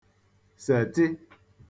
sètị